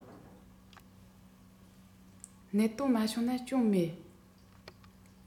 གནད དོན མ བྱུང ན སྐྱོན མེད